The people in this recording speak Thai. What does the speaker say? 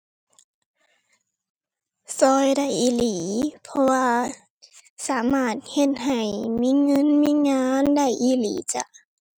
ช่วยได้อีหลี เพราะว่าสามารถเฮ็ดให้มีเงินมีงานได้อีหลีจ้ะ